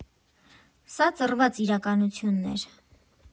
Սա ծռված իրականություն էր։